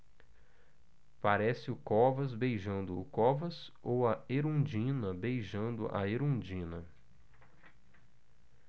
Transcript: parece o covas beijando o covas ou a erundina beijando a erundina